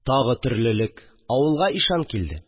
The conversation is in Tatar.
Тагы төрлелек: авылга ишан килде